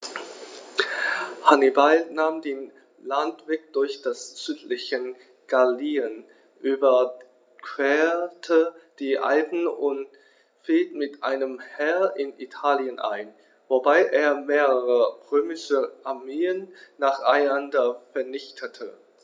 Hannibal nahm den Landweg durch das südliche Gallien, überquerte die Alpen und fiel mit einem Heer in Italien ein, wobei er mehrere römische Armeen nacheinander vernichtete.